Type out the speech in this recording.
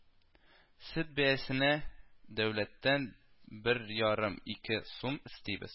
Сөт бәясенә дәүләттән бер ярым-ике сум өстибез